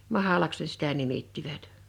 mahlaksi ne sitä nimittivät